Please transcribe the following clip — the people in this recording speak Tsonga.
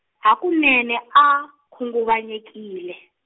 hakunene a, khunguvanyekile.